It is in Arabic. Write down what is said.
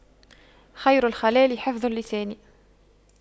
خير الخلال حفظ اللسان